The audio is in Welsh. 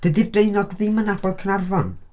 Dydi'r Draenog ddim yn 'nabod Caernarfon.